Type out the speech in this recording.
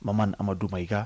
Mama ma d ma i